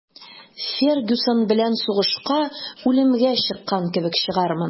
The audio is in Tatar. «фергюсон белән сугышка үлемгә чыккан кебек чыгармын»